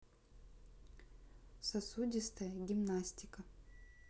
сосудистая гимнастика